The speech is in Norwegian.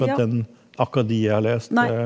ja nei.